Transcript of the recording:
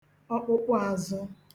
ọkpụkpụāzụ̄